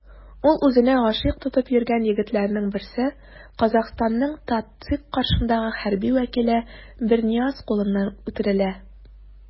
Ул үзенә гашыйк тотып йөргән егетләрнең берсе - Казахстанның ТатЦИК каршындагы хәрби вәкиле Бернияз кулыннан үтерелә.